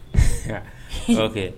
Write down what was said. '